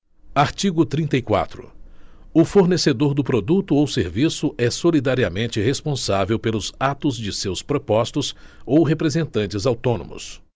artigo trinta e quatro o fornecedor do produto ou serviço é solidariamente responsável pelos atos de seus propostos ou representantes autônomos